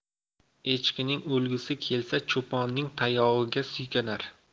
echkining o'lgisi kelsa cho'ponning tayog'iga suykanar